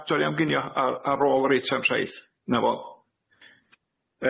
Ia, torri am ginio ar ar ôl yr eitem saith, 'na fo.